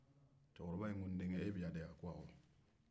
cɛkɔrɔba ko n den kɛ e bɛ yan de wa